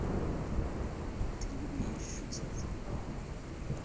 ты не умеешь шутить